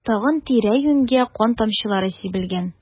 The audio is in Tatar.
Тагын тирә-юньгә кан тамчылары сибелгән.